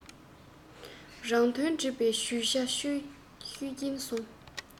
རང དོན སྒྲིག པའི ཇུས ཆ ཤོད ཀྱིན སོང